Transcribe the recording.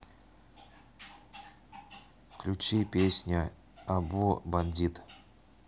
включи песня абу бандит